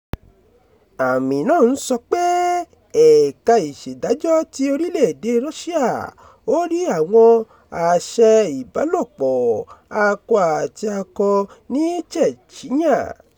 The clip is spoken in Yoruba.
àmì náà ń sọ pé: Ẹ̀KA ÌṢÈDÁJỌ́ TI ORÍLẸ̀-ÈDÈE RUSSIA Ò RÍ ÀWỌN AṢE-ÌBÁLÒPỌ̀-AKỌ-ÀTI-AKỌ NÍ CHECHYA.